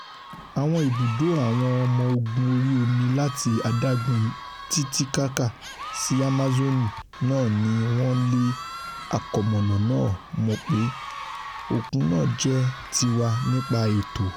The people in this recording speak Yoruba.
Àwọn ibùdó àwọn ọmọ ogun orí-omi láti adágún Titicaca sí Amazon náà ni wọ́n lẹ àkọmọ̀nà náà mọ́pé: ''Òkun náà jẹ́ tiwa nípa ẹ̀tọ́.